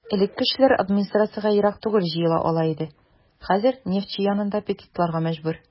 Элек кешеләр администрациягә ерак түгел җыела ала иде, хәзер "Нефтьче" янында пикетларга мәҗбүр.